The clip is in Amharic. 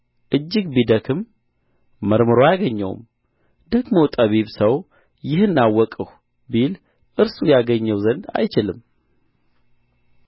እጅግ ቢደክም መርምሮ አያገኘውም ደግሞ ጠቢብ ሰው ይህን አወቅሁ ቢል እርሱ ያኘው ዘንድ አይችልም